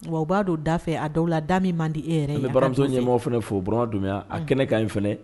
Wa u b'a don da fɛ a da la da min man di e yɛrɛ n bɛ baramuso ɲɛmɔgɔ fana fo buran don a kɛnɛ ka ɲi fana